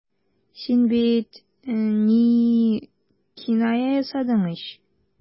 Син бит... ни... киная ясадың ич.